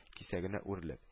Кисәгенә үрелеп